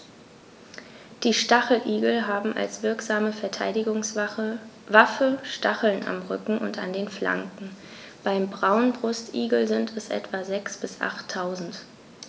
Die Stacheligel haben als wirksame Verteidigungswaffe Stacheln am Rücken und an den Flanken (beim Braunbrustigel sind es etwa sechs- bis achttausend).